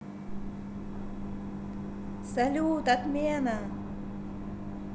салют отмена